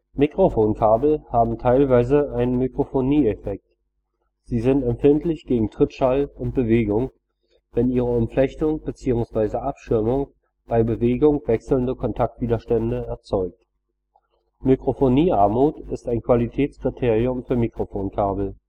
Mikrofonkabel haben teilweise einen Mikrofonieeffekt, sie sind empfindlich gegen Trittschall und Bewegung, wenn ihre Umflechtung bzw. Abschirmung bei Bewegung wechselnde Kontaktwiderstände erzeugt. Mikrofonie-Armut ist ein Qualitätskriterium für Mikrofonkabel